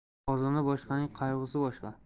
qozoni boshqaning qayg'usi boshqa